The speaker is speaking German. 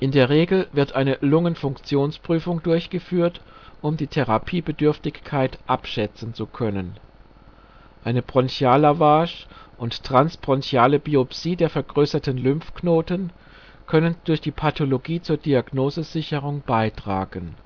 der Regel wird eine Lungenfunktionsprüfung durchgeführt, um die Therapiebedürftigkeit abschätzen zu können. Eine Bronchiallavage und transbronchiale Biopsie der vergrößerten Lymphknoten können durch die Pathologie zur Diagnosesicherung beitragen